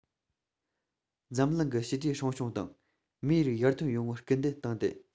འཛམ གླིང གི ཞི བདེ སྲུང སྐྱོང དང མིའི རིགས ཡར ཐོན ཡོང བར སྐུལ འདེད བཏང སྟེ